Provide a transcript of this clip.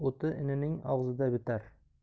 inining og'zida bitar